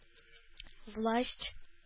Власть